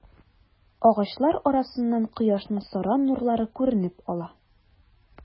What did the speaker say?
Агачлар арасыннан кояшның саран нурлары күренеп ала.